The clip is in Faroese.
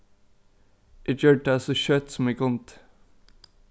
eg gjørdi tað so skjótt sum eg kundi